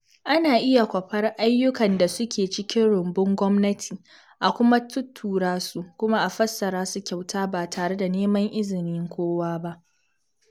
Ana iya kwafar ayyukan da suke cikin rumbun gwamnati, a kuma tuttura su, kuma a fassara su kyauta ba tare da neman izinin kowa ba.